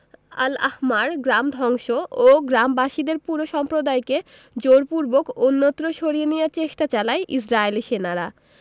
আল Ahmar গ্রাম ধ্বংস ও গ্রামবাসীদের পুরো সম্প্রদায়কে জোরপূর্বক অন্যত্র সরিয়ে নেয়ার চেষ্টা চালায় ইসরাইলি সেনারা